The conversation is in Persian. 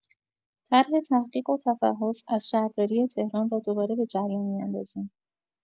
طرح تحقیق و تفحص از شهرداری تهران را دوباره به جریان می‌اندازیم.